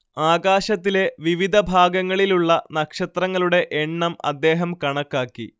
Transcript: ആകാശത്തിലെ വിവിധ ഭാഗങ്ങളിലുള്ള നക്ഷത്രങ്ങളുടെ എണ്ണം അദ്ദേഹം കണക്കാക്കി